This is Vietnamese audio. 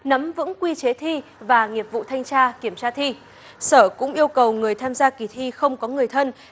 nắm vững quy chế thi và nghiệp vụ thanh tra kiểm tra thi sở cũng yêu cầu người tham gia kỳ thi không có người thân